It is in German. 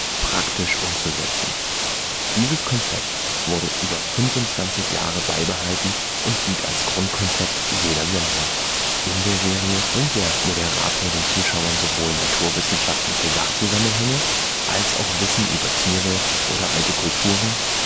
praktisch umzusetzen. Dieses Konzept wurde über 25 Jahre beibehalten und diente als Grundkonzept jeder Sendung. In der Serie bringt der Moderator den Zuschauern sowohl naturwissenschaftliche Sachzusammenhänge als auch Wissen über Tiere oder alte Kulturen